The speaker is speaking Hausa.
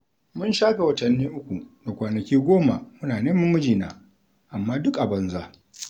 Mun shafe watanni uku da kwanaki goma muna neman mijina, amma duk a banza …